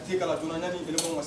A te dunan naaniani yɛlɛmama ka